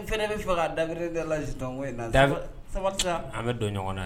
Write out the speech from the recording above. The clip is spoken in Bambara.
N fɛn fana bɛ fɛ ka dabɛrɛla dɔnko in la sabali an bɛ don ɲɔgɔn na